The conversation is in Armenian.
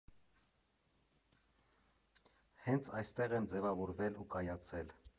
Հենց այստեղ եմ ձևավորվել ու կայացել։